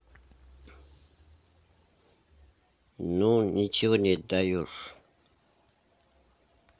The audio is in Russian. ну ничего не даешь